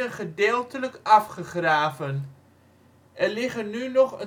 gedeeltelijk afgegraven. Er liggen nu nog